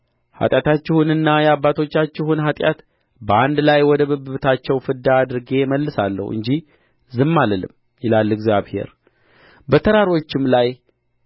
ኃጢአታችሁና የአባቶቻችሁን ኃጢአት በአንድ ላይ ወደ ብብታቸው ፍዳ አድርጌ አመልሳለሁ እንጂ ዝም አልልም ይላል እግዚአብሔር በተራሮችም ላይ